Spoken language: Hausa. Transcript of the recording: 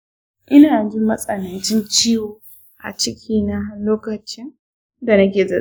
ina jin matsanancin ciwo a cikina lokacin da nake zazzabi.